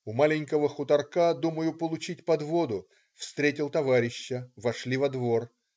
У маленького хуторка думаю получить подводу. Встретил товарища. Вошли во двор.